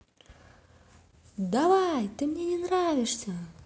давай ты мне не нравишься